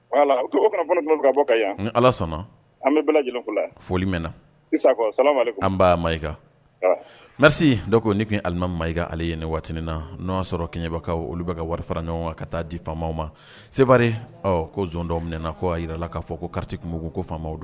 Bɔ yan ala sɔnna an bɛfɔ la foli mɛn na' ma na dɔw ko ne adamalima ma ika ale ye ne waati na n' sɔrɔ keɲɛbagawkaw olu bɛ ka wari fara ɲɔgɔn kan ka taa di famaw ma seri ko dɔminɛna ko a jira k' fɔ kombugu ko faama don